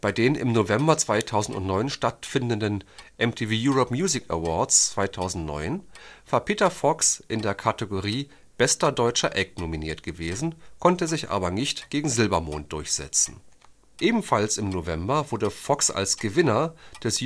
den im November 2009 stattfindenden MTV Europe Music Awards 2009 war Peter Fox in der Kategorie Bester deutscher Act nominiert gewesen, konnte sich aber nicht gegen Silbermond durchsetzen. Ebenfalls im November wurde Fox als Gewinner des